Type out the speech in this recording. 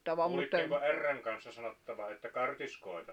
kuulitteko ärrän kanssa sanottava että kartiskoita